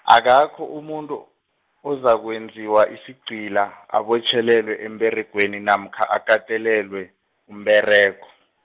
akakho umuntu, ozakwenziwa isigcila, abotjhelelwe emberegweni namkha akatelelwe, umberego.